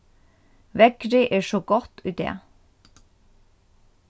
veðrið er so gott í dag